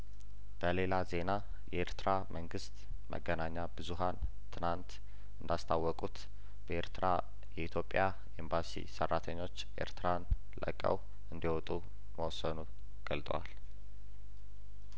በሌላ ዜና የኤርትራ መንግስት መገናኛ ብዙሀን ትናንት እንዳስ ታወቁት በኤርትራ የኢትዮጵያ ኤምባሲ ሰራተኞች ኤርትራን ለቀው እንዲወጡ መወሰኑን ገልጠዋል